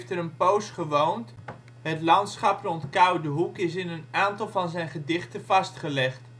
een poos gewoond, het landschap rond Koudehoek is in een aantal van zijn gedichten vastgelegd